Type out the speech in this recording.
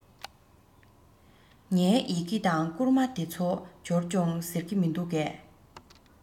ངའི ཡི གེ དང བསྐུར མ དེ ཚོ འབྱོར བྱུང ཟེར གྱི མི འདུག གས